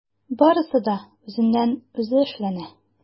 Барысы да үзеннән-үзе эшләнә.